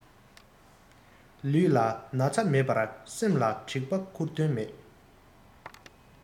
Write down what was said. ལུས ལ ན ཚ མེད པར སེམས ལ དྲེག པ ཁུར དོན མེད